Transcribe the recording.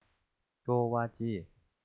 โกวาจี